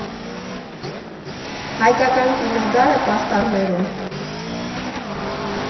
Հայկական կինոդարը պաստառներում։